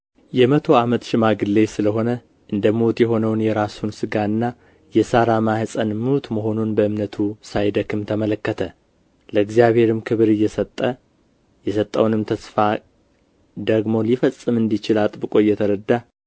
የመቶ ዓመትም ሽማግሌ ስለ ሆነ እንደ ምውት የሆነውን የራሱን ሥጋና የሳራ ማኅፀን ምውት መሆኑን በእምነቱ ሳይደክም ተመለከተ ለእግዚአብሔርም ክብር እየሰጠ የሰጠውንም ተስፋ ደግሞ ሊፈጽም እንዲችል አጥብቆ እየተረዳ